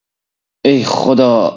ای خدا